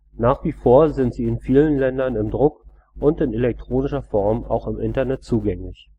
Nach wie vor sind sie in vielen Ländern im Druck und in elektronischer Form auch im Internet zugänglich